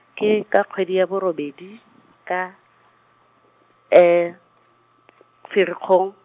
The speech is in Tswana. ke ka kgwedi ya borobedi, ka, Ferikgong.